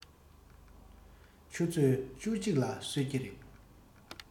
ཆུ ཚོད བཅུ གཅིག ལ གསོད ཀྱི རེད